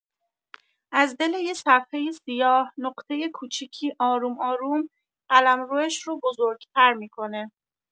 از دل یه صفحۀ سیاه، نقطۀ کوچیکی آروم آروم قلمروش رو بزرگتر می‌کنه.